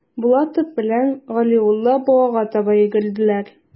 Булатов белән Галиулла буага таба йөгерделәр.